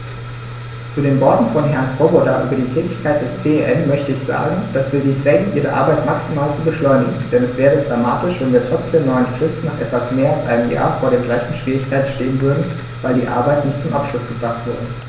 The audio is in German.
Zu den Worten von Herrn Swoboda über die Tätigkeit des CEN möchte ich sagen, dass wir sie drängen, ihre Arbeit maximal zu beschleunigen, denn es wäre dramatisch, wenn wir trotz der neuen Frist nach etwas mehr als einem Jahr vor den gleichen Schwierigkeiten stehen würden, weil die Arbeiten nicht zum Abschluss gebracht wurden.